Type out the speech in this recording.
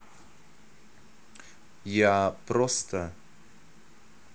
я просто